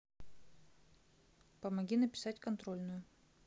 помоги написать контрольно